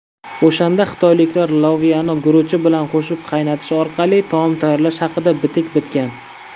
o'shanda xitoyliklar loviyani guruch bilan qo'shib qaynatish orqali taom tayyorlash haqida bitik bitgan